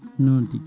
noon tigui